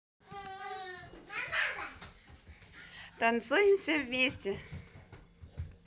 танцуем все вместе